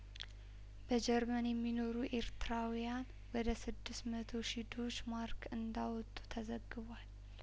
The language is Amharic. በጀርመን የሚኖሩ ኤርትራውያን ወደ ስድስት መቶ ሺ ዱች ማርክ እንዳወጡ ተዘግቧል